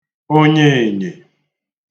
onyeènyè